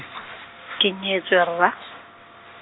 ke nyetswe rra.